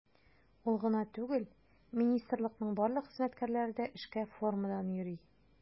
Ул гына түгел, министрлыкның барлык хезмәткәрләре дә эшкә формадан йөри.